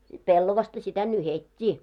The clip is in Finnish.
pellavaa sitä nyhdettiin